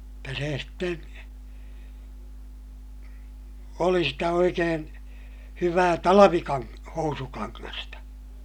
jotta se sitten oli sitä oikein hyvää - housukangasta